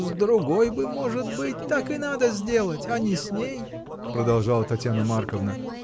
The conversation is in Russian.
— С другой бы, может быть, так и надо сделать, а не с ней, — продолжала Татьяна Марковна.